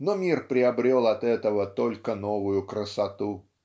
но мир приобрел от этого только новую красоту.